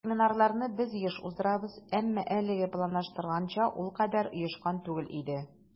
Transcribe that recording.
Семинарларны без еш уздырабыз, әмма әлегә планлаштырылганча ул кадәр оешкан түгел иде.